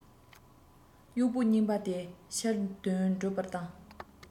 སློབ ཚན ཞེ དགུ ཙི ཙིའི དམག འཁྲུག